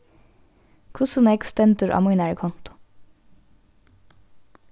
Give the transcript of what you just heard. hvussu nógv stendur á mínari kontu